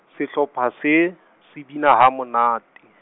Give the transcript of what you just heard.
sehlopha se, se bina ha monate.